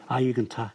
Â i gynta.